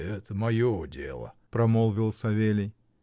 — Это мое дело, — промолвил Савелий.